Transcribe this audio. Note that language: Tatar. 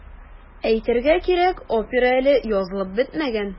Әйтергә кирәк, опера әле язылып бетмәгән.